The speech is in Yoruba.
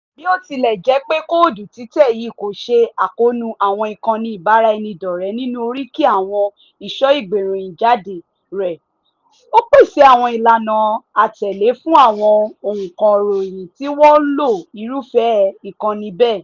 Bí ó tilẹ̀ jẹ́ pé kóòdù títẹ̀ yìí kò ṣe àkóónú àwọn ìkànnì ìbáraẹnidọ́rẹ̀ẹ́ nínú oríkì àwọn ìṣọ̀ ìgbéròyìn jáde rẹ̀, ó pèsè àwọn ìlànà àátẹ̀lé fún àwọn ọ̀ǹkọ̀ròyìn tí wọ́n ń lo irúfẹ́ àwọn ìkànnì bẹ́ẹ̀.